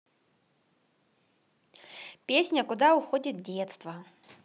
песня куда уходит детство